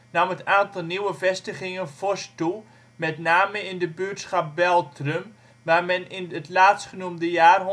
nam het aantal nieuwe vestigingen fors toe, met name in de buurtschap Beltrum, waar men in het laatstgenoemde jaar